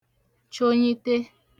chonyite